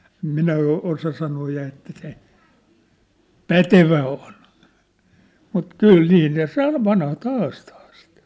en minä - osaa sanoa ja että se pätevä on mutta kyllä niin ne - vanhat haastaa sitä